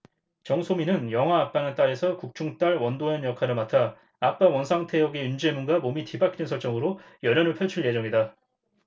정소민은 영화 아빠는 딸에서 극 중 딸 원도연 역할을 맡아 아빠 원상태 역의 윤제문과 몸이 뒤바뀌는 설정으로 열연을 펼칠 예정이다